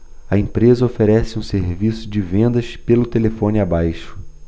a empresa oferece um serviço de vendas pelo telefone abaixo